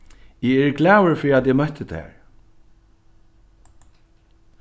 eg eri glaður fyri at eg møtti tær